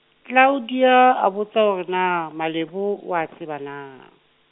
Claudia, a botsa hore na, Malebo, o a tseba na?